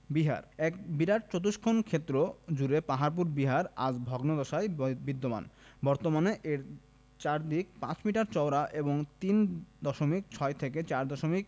বিহারঃ এক বিরাট চতুষ্কোণ ক্ষেত্র জুড়ে পাহাড়পুর বিহার আজ ভগ্নদশায় বিদ্যমান বর্তমানে এর চারদিক ৫ মিটার চওড়া এবং ৩ দশমিক ৬ থেকে ৪ দশমিক